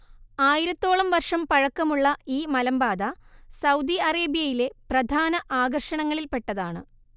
ആയിരത്തോളം വർഷം പഴക്കമുള്ള ഈ മലമ്പാത സൗദി അറേബ്യയിലെ പ്രധാന ആകർഷണങ്ങളിൽ പെട്ടതാണ്